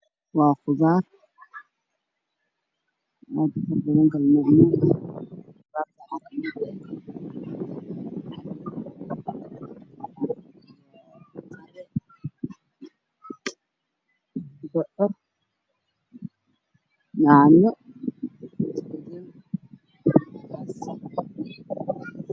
Waa qudaar faro badan waxaa kamid ah bocor, yaanyo iyo basal.